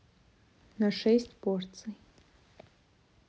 на шесть порций